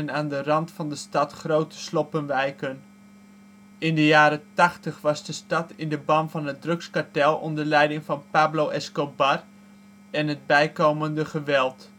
aan de rand van de stad grote sloppenwijken. In de jaren tachtig was de stad in de ban van het drugskartel onder leiding van Pablo Escobar en het bijkomende geweld